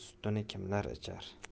sutini kimlar ichar